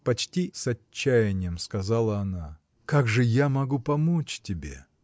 — почти с отчаянием сказала она. — Как же я могу помочь тебе?